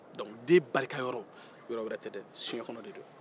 donke den barikayɔrɔ yɔyɔ tɛ dɛ soɲɛkɔnɔ de do